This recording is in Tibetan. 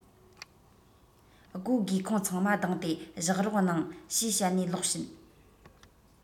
སྒོ སྒེའུ ཁུང ཚང མ གདང སྟེ བཞག རོགས གནང ཞེས བཤད ནས ལོག ཕྱིན